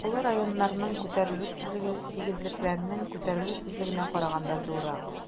Таулы районнарның күтәрелү тизлеге тигезлекләрнең күтәрелү тизлегенә караганда зуррак.